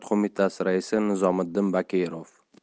qo'mitasi raisi nizomiddin bakirov